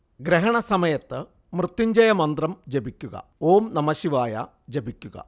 ഗ്രഹണ സമയത്ത് മൃത്യുഞ്ജയ മന്ത്രം ജപിക്കുക, ഓം നമഃശിവായ ജപിക്കുക